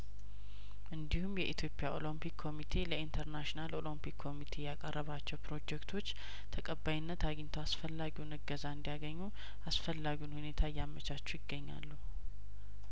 እንዲሁም የኢትዮጵያ ኦሎምፒክ ኮሚቴ ለኢንተርናሽናል ኦሎምፒክ ኮሚቴ ያቀረባቸው ፕሮጀክቶች ተቀባይነት አግኝተው አስፈላጊውን እገዛ እንዲያገኙ አስፈላጊውን ሁኔታ እያመቻቹ ይገኛሉ